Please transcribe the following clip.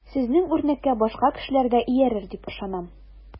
Сезнең үрнәккә башка кешеләр дә иярер дип ышанам.